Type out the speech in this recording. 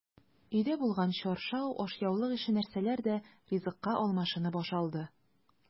Өйдә булган чаршау, ашъяулык ише нәрсәләр дә ризыкка алмашынып ашалды.